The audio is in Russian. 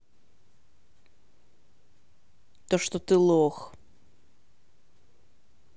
то что ты лох